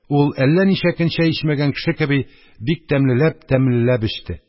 Ул, әллә ничә көн чәй эчмәгән кеше кеби, бик тәмлеләп-тәмлеләп эчте.